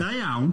Da iawn.